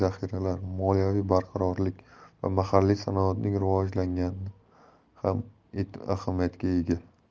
barqarorlik va mahalliy sanoatning rivojlangani ham ahamiyatga ega